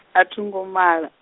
atingo malwa.